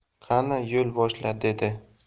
qani yo'l boshla dedi